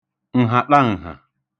ǹhàṭaǹhà